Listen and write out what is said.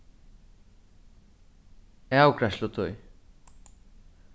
avgreiðslutíð